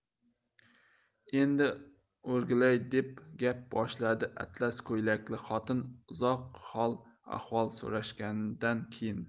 endi o'rgilay deb gap boshladi atlas ko'ylakli xotin uzoq hol ahvol so'rashganidan keyin